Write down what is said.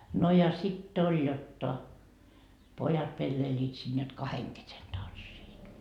no ja sitten oli jotta pojat pelleilivät siinä jotta kahden kesken tanssivat